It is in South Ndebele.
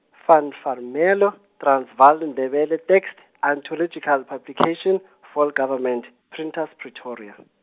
Van Warmelo, Transvaal Ndebele Text, Anthological Puplication, vol Government, Printers Pretoria.